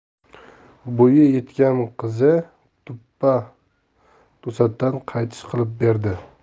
bo'yi yetgan qizi to'ppa to'satdan qaytish qilib berdi